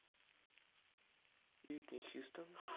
уитни хьюстон